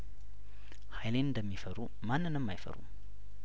ሀይሌን እንደሚፈሩ ማንንም አይፈሩም